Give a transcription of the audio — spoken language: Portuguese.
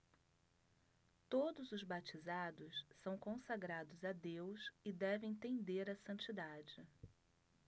todos os batizados são consagrados a deus e devem tender à santidade